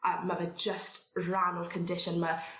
a ma' fe jyst ran o'r condition 'ma